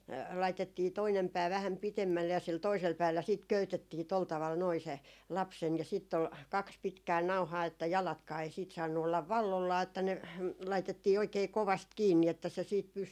laitettiin toinen pää vähän pitemmälle ja sillä toisella päällä sitten köytettiin tuolla tavalla noin se lapsen ja sitten oli kaksi pitkää nauhaa että jalatkaan ei sitten saanut olla valloillaan että ne laitettiin oikein kovasti kiinni että se sitten pysyi